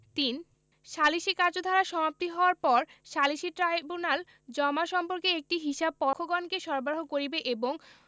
৩ সালিসী কার্যধারা সমাপ্তি হওয়ার পর সালিসী ট্রাইব্যুনাল জমা সম্পর্কে একটি হিসাব পক্ষগণকে সরবরাহ করিবে এবং